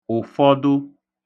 ụ̀fọdụ